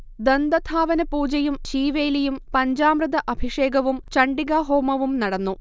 ദന്തധാവനപൂജയും ശീവേലിയും പഞ്ചാമൃത അഭിഷേകവും ചണ്ഡികാഹോമവും നടന്നു